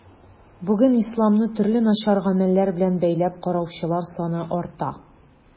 Бүген исламны төрле начар гамәлләр белән бәйләп караучылар саны арта.